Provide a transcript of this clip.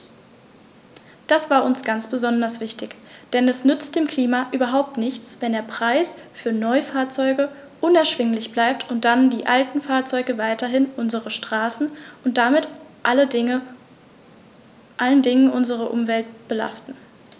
Das war uns ganz besonders wichtig, denn es nützt dem Klima überhaupt nichts, wenn der Preis für Neufahrzeuge unerschwinglich bleibt und dann die alten Fahrzeuge weiterhin unsere Straßen und damit vor allen Dingen unsere Umwelt belasten.